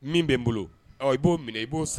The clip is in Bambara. Min bɛ n bolo a b'o minɛ i b'o